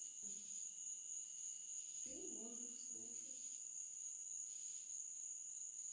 ты можешь слушать